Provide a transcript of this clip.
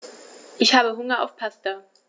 Ich habe Hunger auf Pasta.